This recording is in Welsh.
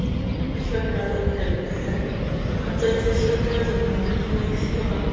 Un llygad oedd gyda fe, a doedd y llygad yna ddim yn gweithio.